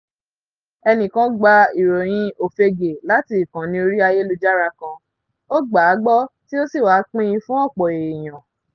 Ẹnìkan gba ìròyìn òfegè láti ìkànnì orí ayélujára kan, ó gbà á gbọ́ tí ó sì wá pín in fún ọ̀pọ̀ èèyàn.